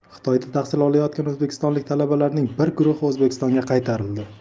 xitoyda tahsil olayotgan o'zbekistonlik talabalarning bir guruhi o'zbekistonga qaytarildi